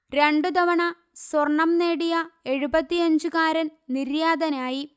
രണ്ടുതവണ സ്വർണം നേടിയ എഴുപത്തിയഞ്ചുകാരൻ നിര്യാതനായി